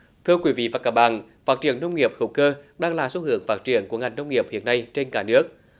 thưa quý vị và các bạn phát triển nông nghiệp hữu cơ đang là xu hướng phát triển của ngành nông nghiệp hiện nay trên cả nước